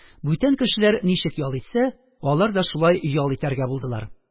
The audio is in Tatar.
Бүтән кешеләр ничек ял итсә, алар да шулай ял итәргә булдылар.